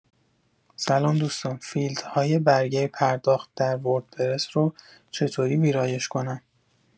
سلام دوستان فیلدهای برگه پرداخت در وردپرس رو چطوری ویرایش کنم؟